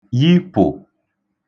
yipụ̀